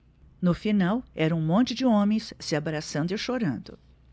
no final era um monte de homens se abraçando e chorando